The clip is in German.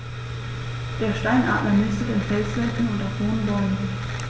Der Steinadler nistet in Felswänden und auf hohen Bäumen.